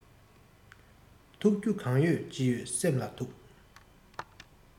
ཐུག རྒྱུ གང ཡོད ཅི ཡོད སེམས ལ ཐུག